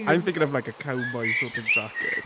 I'm thinking of like a cowboy sort of jacket.